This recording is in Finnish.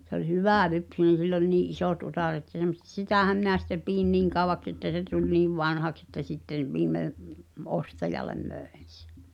se oli hyvälypsyinen sillä oli niin isot utareet semmoiset sitähän minä sitten pidin niin kauaksi että se tuli niin vanhaksi että sitten viimein ostajalle myin sen